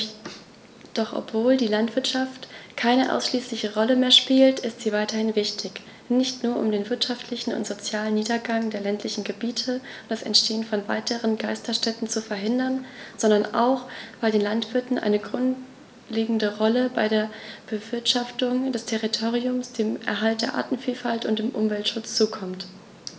Doch obwohl die Landwirtschaft keine ausschließliche Rolle mehr spielt, ist sie weiterhin wichtig, nicht nur, um den wirtschaftlichen und sozialen Niedergang der ländlichen Gebiete und das Entstehen von weiteren Geisterstädten zu verhindern, sondern auch, weil den Landwirten eine grundlegende Rolle bei der Bewirtschaftung des Territoriums, dem Erhalt der Artenvielfalt und dem Umweltschutz zukommt.